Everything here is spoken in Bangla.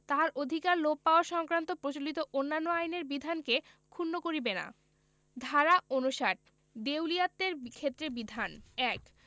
তাহার অধিকার লোপ পাওয়া সংক্রান্ত প্রচলিত অন্যান্য আইনের বিধানকে ক্ষুন্ন করিবে না ধারা ৫৯ দেউলিয়াত্বের ক্ষেত্রে বিধান ১